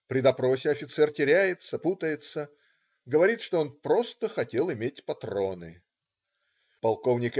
При допросе офицер теряется, путается, говорит, что он "просто хотел иметь патроны". Полк.